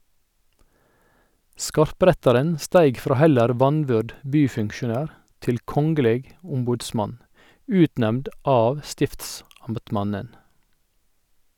Skarprettaren steig frå heller vanvyrd byfunksjonær til kongeleg ombodsmann, utnemnd av stiftsamtmannen.